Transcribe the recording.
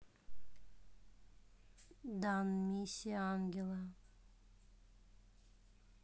дан миссия ангела